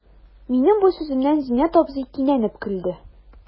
Минем бу сүземнән Зиннәт абзый кинәнеп көлде.